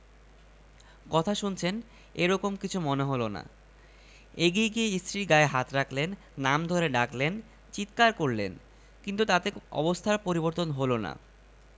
আয়নায় তাঁকে দেখা যাচ্ছে না কী আশ্চর্য আয়নায় কাউকেই দেখা যাচ্ছে না আয়নাটা নষ্ট হয়ে গেছে ভেবে স্ত্রীর ঘরে গেলেন তিনি তাঁর স্ত্রী তাঁকে দেখলেন কিন্তু কোনো ভাবান্তর নেই